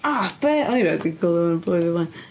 O be? O'n i rhoid 'di clywad am hynna yn bywyd fi o'r blaen